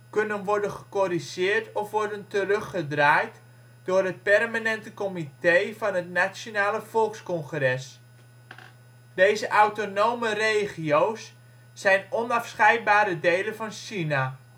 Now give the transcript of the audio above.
kunnen worden gecorrigeerd of worden teruggedraaid door het Permanente Comité van het Nationaal Volkscongres. Deze Autonome Regio 's zijn onafscheidbare delen van China